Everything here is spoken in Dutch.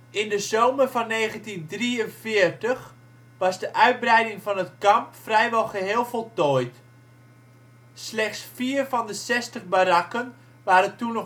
In de zomer van 1943 was de uitbreiding van het kamp vrijwel geheel voltooid. Slechts vier van de zestig barakken waren toen